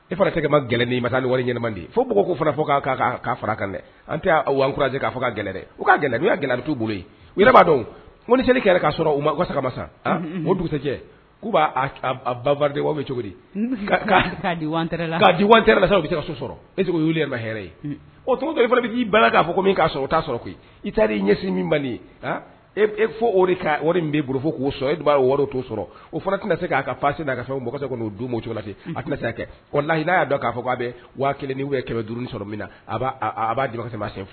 E fana se ka gɛlɛn ma taa wari ɲɛnaman ye fo b ko fana fɔ k' fara kan dɛ an tɛkurase k'a fɔ ka gɛlɛɛrɛ ka gɛlɛ tu bolo b'a dɔn seli ma masa ojɛ k' b'a cogodi di so e hɛrɛ ye o i fana k'i bala k'a fɔ ko min' sɔrɔ i taa i ɲɛ ye fɔ ka wari min bɛ b bolo fɔ k'o sɔrɔ e b'a wari to sɔrɔ o fana tɛna se k'a ka fase na ka mɔgɔse'o du cogo la ten n' y'a dɔn k'a fɔ' a bɛ waa kelen ni kɛmɛ du sɔrɔ min na a b'a ma sen fɔ